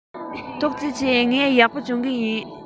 ཐུགས རྗེ ཆེ ངས ཡག པོ སྦྱོང གི ཡིན